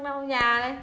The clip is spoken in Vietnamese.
lau nhà đây